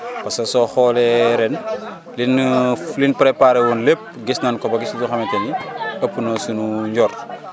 parce que soo xoolee ren li ñu li ñu préparé woon lépp gis nañ ko ba gis loo xamante ni pp na sunu njort